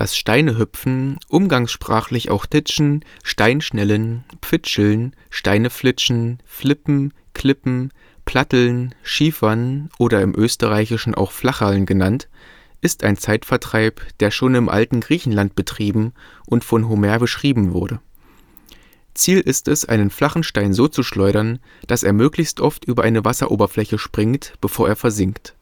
Steinehüpfen, umgangssprachlich auch Ditschen, Steinschnellen, Pfitscheln, Steineflitschen, Flippen, Klippen, Platteln, Schiefern oder im österreichischen auch " flacherln " genannt, ist ein Zeitvertreib, der schon im alten Griechenland betrieben und von Homer beschrieben wurde. Ziel ist es, einen flachen Stein so zu schleudern, dass er möglichst oft über eine Wasseroberfläche springt, bevor er versinkt